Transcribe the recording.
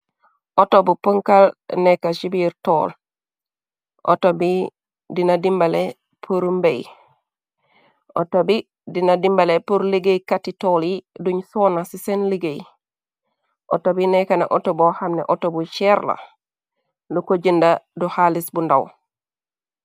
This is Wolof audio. Auto bu pënkal nekka si biir tool, ooto bi dina dimbale pur mbay, auto dina dimbale pur iggéeykati tool yi, duñ soona ci seen liggéey, auto bi nekka na auto bo xamne auto bu seerla, lu ko jënda du xaalis bu ndàw.